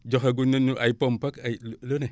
joxaguñ nañ ñu ay pompag ay lu ne